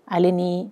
Ale ni